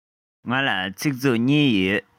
ང ལ ཚིག མཛོད གཉིས ཡོད